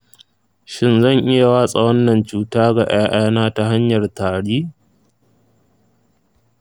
shin zan iya watsa wannan cuta ga ’ya’yana ta hanyar tari?